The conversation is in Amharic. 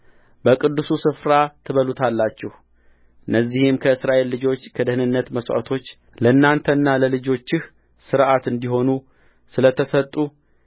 በቅዱስ ስፍራ ትበሉታላችሁእነዚህም ከእስራኤል ልጆች ከደኅንነት መሥዋዕቶች ለአንተና ለልጆችህ ሥርዓት እንዲሆኑ ስለ ተሰጡ